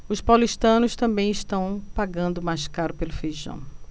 os paulistanos também estão pagando mais caro pelo feijão